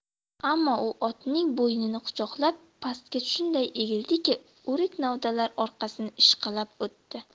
ammo u otning bo'ynini quchoqlab pastga shunday egildiki o'rik novdalari orqasini ishqalab o'tdi